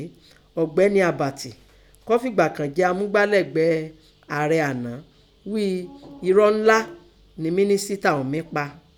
Ọgbẹni Àbàtì kọ́ fìgbà kàn jẹ́ amúgbálẹ́gbẹ̀ẹ́ ún ààrẹ àná ghíi ẹrọ́ ńlá nẹ mínísìtà ọ̀ún mí pa.